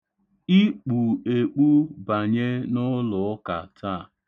I kpu ekpu banye n'ụlụụka taa.